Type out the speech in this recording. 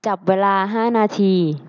จับเวลาห้านาที